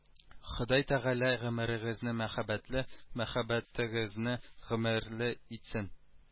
Ходай тәгалә гомерегезне мәхәббәтле мәхәббәтегезне гомерле итсен